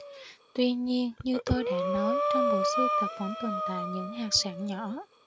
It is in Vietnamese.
tuy nhiên như tôi đã nói trong bộ sưu tập vẫn tồn tại những hạt sạn nhỏ